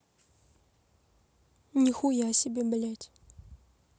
нихуя себе блядь